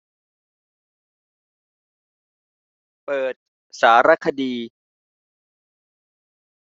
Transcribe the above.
เปิดสารคดี